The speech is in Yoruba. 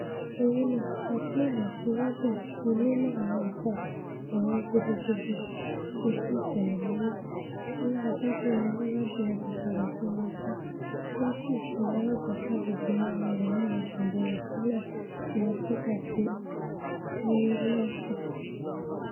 Nítorínáà Batman àti Robin ti mimu àwọn nǹkan mẹ̀hẹ gidigidi níbi Iṣ̵ẹ́ Ọ̀tẹlẹ̀múyẹ̵́ ti Ọbabìnrin Ọlọ́lá Jùlọ ti padà sẹnu iṣẹ́, tíwọn sì ńṣe aláàbápàdé obìnrin àrẹwà amúniṣagbère Ophelia Bulletova ti Olgs Kurylenko.